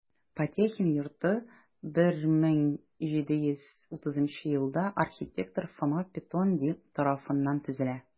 Потехин йорты 1830 елда архитектор Фома Петонди тарафыннан төзелә.